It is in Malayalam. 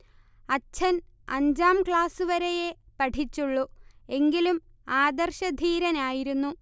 അച്ഛൻ അഞ്ചാം ക്ലാസുവരെയെ പഠിച്ചുള്ളൂ എങ്കിലും ആദർശധീരനായിരുന്നു